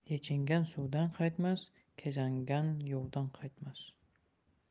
yechingan suvdan qaytmas kezangan yovdan qaytmas